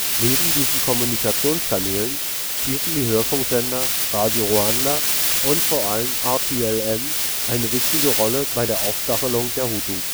Neben diesen Kommunikationskanälen spielten die Hörfunksender Radio Rwanda und vor allem RTLM eine wichtige Rolle bei der Aufstachelung der Hutu